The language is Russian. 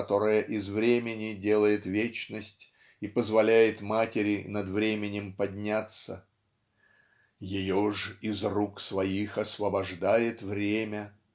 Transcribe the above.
которое из времени делает вечность и позволяет матери над временем подняться ("ее ж из рук своих освобождает Время